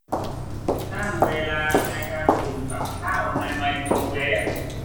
ตั้งเวลาในการอุ่นกับข้าวในไมโครเวฟ